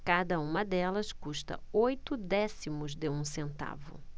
cada uma delas custa oito décimos de um centavo